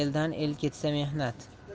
eldan el ketsa mehnat